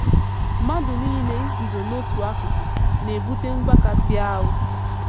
Mmadụ niile ị guzo n'otu akụkụ na-ebute mgbakasị ahụ.